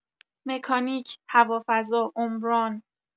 مکانیک، هوافضا، عمران